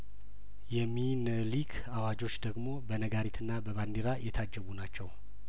የሚንሊክ አዋጆች ደግሞ በነጋሪትና በባንዲራ የታጀቡ ናቸው